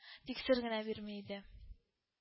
Тик сер генә бирми иде